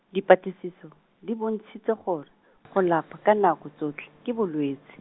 dipatlisiso, di bontshitse gore, go lapa ka nako tsotlhe, ke bolwetsi.